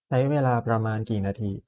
ใช้เวลาประมาณกี่นาที